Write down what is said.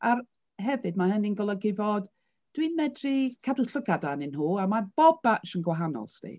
Ar hefyd ma' hynny'n golygu fod dw i'n medru cadw llygad arnyn nhw, a ma' bob batch yn gwahanol 'sdi.